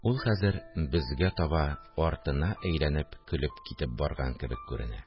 Ул хәзер безгә таба артына әйләнеп көлеп китеп барган кебек күренә